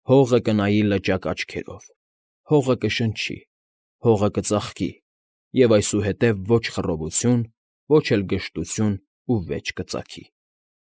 Հողը կնայի լճակ աչքերով, Հողը կշնչի, հողը կծաղկի Եվ այսուհետև ոչ խռովություն, Ոչ էլ գժտություն ու վեճ կծագի։